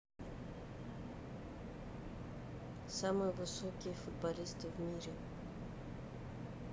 самые высокие футболисты в мире